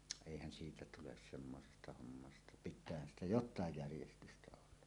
eihän siitä tule semmoisesta hommasta pitäähän sitä jotakin järjestystä olla